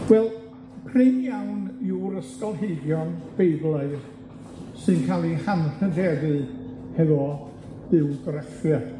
Wel, prin iawn yw'r ysgolheigion beiblaidd sy'n ca'l 'u hanrhydeddu hefo bywgraffiad.